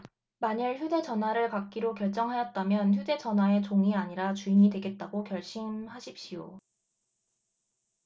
만일 휴대 전화를 갖기로 결정하였다면 휴대 전화의 종이 아니라 주인이 되겠다고 결심하십시오